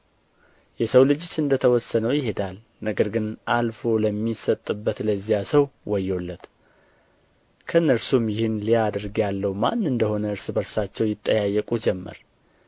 የሰው ልጅስ እንደ ተወሰነው ይሄዳል ነገር ግን አልፎ ለሚሰጥበት ለዚያ ሰው ወዮለት ከእነርሱም ይህን ሊያደርግ ያለው ማን እንደ ሆነ እርስ በርሳቸው ይጠያየቁ ጀመር